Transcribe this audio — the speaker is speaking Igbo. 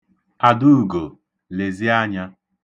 Adaugo, lezie anya!